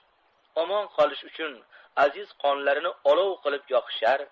omon qolish uchun aziz qonlarini olov qilib yoqishar